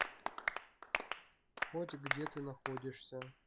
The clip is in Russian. хоть где ты находишься